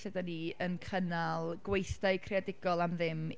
Lle dan ni yn cynnal gweithdai creadigol am ddim...